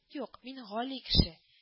Юк, мин — гали кеше